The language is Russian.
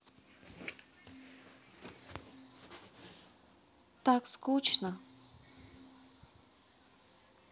так скучно